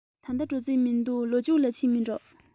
ད ལྟ འགྲོ རྩིས མི འདུག ལོ མཇུག ལ ཕྱིན མིན འགྲོ